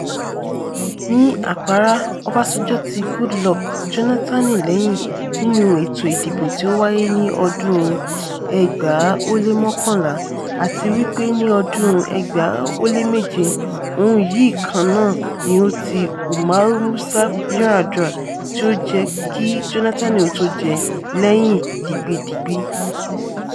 Ní àpárá, Ọbásanjọ́ ti Goodluck Jónátánì lẹ́yìn nínú ètò ìdìbò tí ó wáyé ní ọdún 2011. Àti wípé ni ọdún 2007, òun yìí kan náà ni ó ti Umaru Musa Yar'Adua tí ó jẹ kí Jónátánì ó tó jẹ lẹ́yìn digbídigbí.